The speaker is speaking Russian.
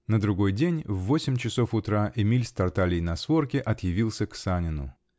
На другой день, в восемь часов утра, Эмиль, с Тартальей на сворке, он явился к Санину.